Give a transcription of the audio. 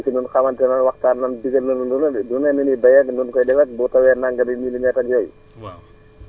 Diop moom dikk na ci ñun xamante nañ waxtaan nañ digal nañu lu ne de lu mel ne d' ailleurs nuñ koy defeeg bu taweeg nàngami minimetre ak yooyu